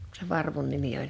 - sen varvun nimi oli